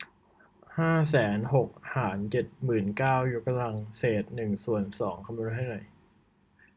ห้าแสนหกหารเจ็ดหมื่นเก้ายกกำลังเศษหนึ่งส่วนสองคำนวณให้หน่อย